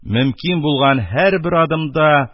Мөмкин булган һәрбер адымда